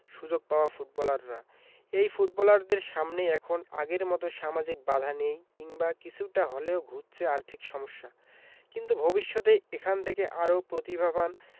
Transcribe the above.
সুযোগ পাওয়া ফুটবলাররা এই ফুটবলারদের সামনে এখন আগের মতো সামাজিক বাধা নেই কিংবা কিছুটা হলেও ঘুচছে আর্থিক সমস্যা কিন্তু ভবিষ্যতে এখান থেকে আরও প্রতিভাবান